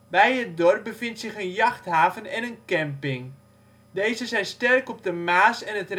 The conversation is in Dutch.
Bij het dorp bevindt zich een jachthaven en een camping. Deze zijn sterk op de Maas en het